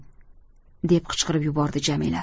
deb qichqirib yubordi jamila